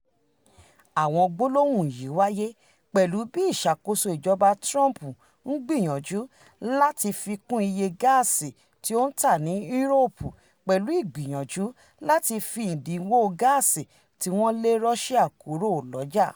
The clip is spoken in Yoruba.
Àwọn gbólóhùn yìí wáyé pẹ̀lú bí ìṣàkóṣo ìjọba Trump ń gbìyànjú láti fikún iye gáàsì tí ó ń tà ní Europe pẹ̀lú ìgbìyànjú láti fi ìdínwó gáàsì ti wọn lé Russia kúrò lọ́jà.